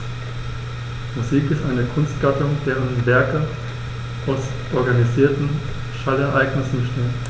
Musik ist eine Kunstgattung, deren Werke aus organisierten Schallereignissen bestehen.